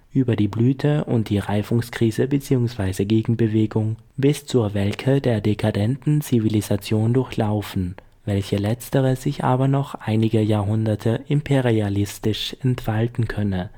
über die Blüte und die Reifungskrise bzw. Gegenbewegung (Renaissance) bis zur Welke der (dekadenten) Zivilisation durchlaufen, welch letztere sich aber noch einige Jahrhunderte imperialistisch entfalten könne